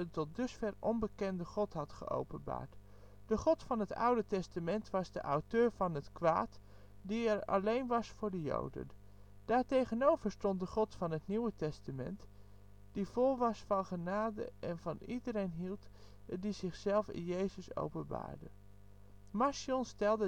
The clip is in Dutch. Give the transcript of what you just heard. tot dusver onbekende God had geopenbaard. De God van het Oude Testament was de auteur van het kwaad, die er alleen was voor de joden. Daar tegenover stond de God van het Nieuwe Testament, die vol was van genade en van iedereen hield en die zichzelf in Jezus openbaarde. Marcion stelt